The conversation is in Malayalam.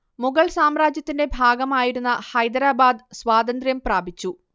മുഗൾ സാമ്രാജ്യത്തിന്റെ ഭാഗമായിരുന്ന ഹൈദരാബാദ് സ്വാതന്ത്ര്യം പ്രാപിച്ചു